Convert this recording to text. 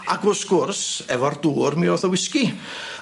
Ag wrth gwrs efo'r dŵr mi ddoth y wisgi.